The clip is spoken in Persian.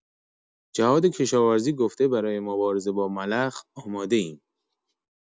جهادکشاورزی گفته برای مبارزه با ملخ آماده‌ایم.